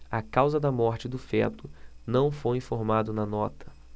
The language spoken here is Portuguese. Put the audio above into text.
a causa da morte do feto não foi informada na nota